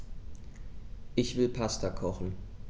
Ich will Pasta kochen.